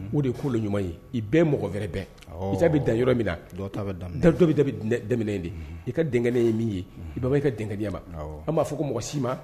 O de ye ko la ɲuman ye i bɛ , mɔgɔ wɛrɛ bɛ . I ta bi dan yɔrɔ min na dɔw ta bɛ daminɛ yen de. I ka digɛni ye min ye i baba i ka digɛni ma an ba fɔ ko mɔgɔ si ma